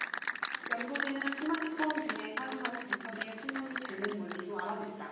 연구진은 스마트폰 등에 사용하는 배터리의 수명이 닳는 원리도 알아냈다